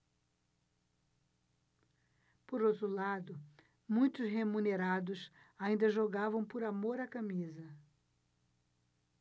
por outro lado muitos remunerados ainda jogavam por amor à camisa